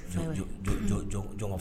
Fɛn jɔn fɛ